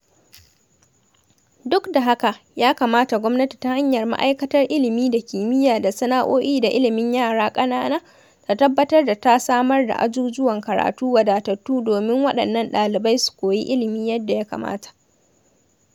Duk da haka, ya kamata Gwamnati, ta hanyar Ma’aikatar Ilimi da Kimiyya da Sana’o’i da Ilimin Yara Ƙanana, ta tabbatar da samar da ajujuwan karatu wadatattu domin waɗannan ɗalibai su koyi ilimi yadda ya kamata.